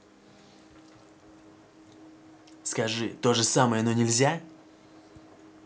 скажи тоже самое но нельзя